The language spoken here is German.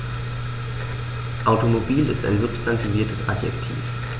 Automobil ist ein substantiviertes Adjektiv.